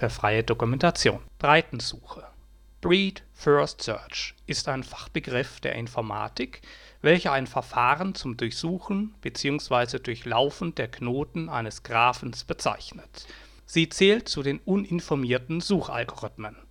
freie Dokumentation. Breitensuche Reihenfolge im Beispielbaum Reihenfolge im Beispielbaum Allgemeine Daten Klasse: Suchalgorithmus Datenstruktur: Graph Zeitkomplexität: O (| V |+| E |){\ displaystyle O (| V |+| E |)} Platzkomplexität: O (| V |+| E |){\ displaystyle O (| V |+| E |)} Optimal: ja Vollständig: ja Breitensuche (Breadth First Search) ist ein Fachbegriff der Informatik, welcher ein Verfahren zum Durchsuchen bzw. Durchlaufen der Knoten eines Graphens bezeichnet. Sie zählt zu den uninformierten Suchalgorithmen